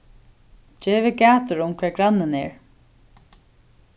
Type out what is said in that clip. gevið gætur um hvar grannin er